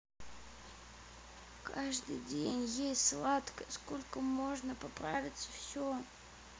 каждый день есть сладкая сколько можно поправиться все